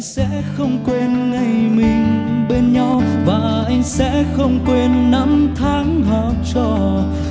không quên ngày mình bên nhau và anh sẽ không quên năm tháng học trò